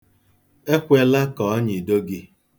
Ekwela ka ọ nyịdo gị.